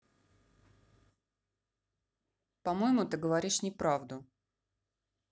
по моему ты говоришь неправду